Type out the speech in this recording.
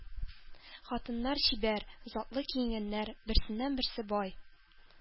Хатыннар чибәр, затлы киенгәннәр, берсеннән-берсе бай.